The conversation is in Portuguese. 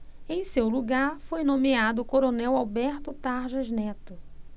em seu lugar foi nomeado o coronel alberto tarjas neto